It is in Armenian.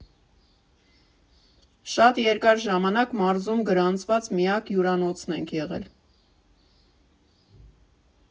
Շատ երկար ժամանակ մարզում գրանցված միակ հյուրանոցն ենք եղել։